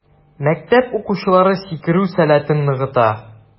Мәктәп укучылары сикерү сәләтен ныгыта.